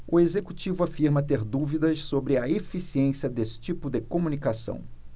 o executivo afirma ter dúvidas sobre a eficiência desse tipo de comunicação